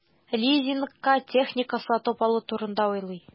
Лизингка техника сатып алу турында уйлый.